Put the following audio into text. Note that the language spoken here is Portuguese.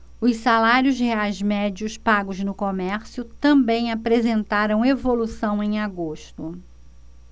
os salários reais médios pagos no comércio também apresentaram evolução em agosto